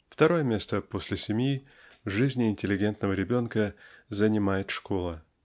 Второе место после семьи в жизни интеллигентного ребенка занимает школа.